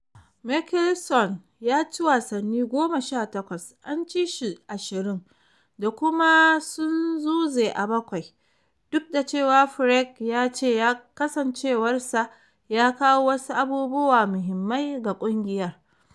Mickelson ya ci wasanni 18, an ci shi 20 da kuma sun zuze a bakwai, duk da cewa Furyk ya ce kasancewarsa ya kawo wasu abubuwan mahimmai ga kungiyar.